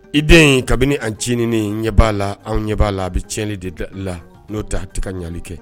I den in kabini ancinin ɲɛ b'a la an ɲɛ b'a la a bɛ tiɲɛnli de da la n'o ta tɛ ka ɲali kɛ